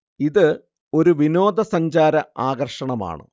ഇത് ഒരു വിനോദ സഞ്ചാര ആകർഷണമാണ്